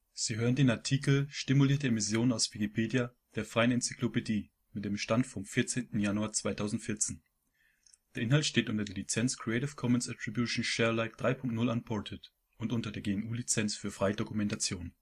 Sie hören den Artikel Stimulierte Emission, aus Wikipedia, der freien Enzyklopädie. Mit dem Stand vom Der Inhalt steht unter der Lizenz Creative Commons Attribution Share Alike 3 Punkt 0 Unported und unter der GNU Lizenz für freie Dokumentation